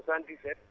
77